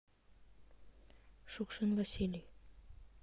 шукшин василий